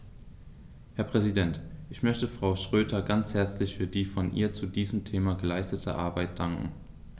Herr Präsident, ich möchte Frau Schroedter ganz herzlich für die von ihr zu diesem Thema geleistete Arbeit danken.